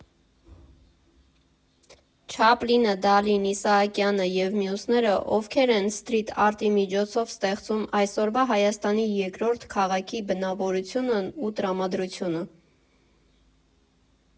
Չապլինը, Դալին, Իսահակյանը և մյուսները Ովքեր են սթրիթ արտի միջոցով ստեղծում այսօրվա Հայաստանի երկրորդ քաղաքի բնավորությունն ու տրամադրությունը։